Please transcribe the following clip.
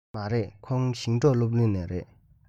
མ རེད ཁོང ཞིང འབྲོག སློབ གླིང ནས རེད